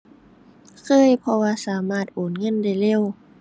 เคย เพราะว่าสามารถโอนเงินได้เร็ว